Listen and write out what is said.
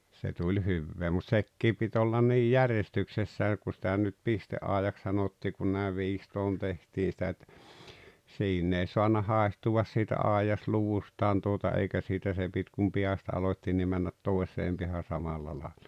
se tuli hyvää mutta sekin piti olla niin järjestyksessään kun sitä nyt pisteaidaksi sanottiin kun näin viistoon tehtiin sitä - siinä ei saanut haihtua siitä aidasluvustaan tuota eikä siitä se piti kun päästä aloitti niin mennä toiseen päähän samalla lailla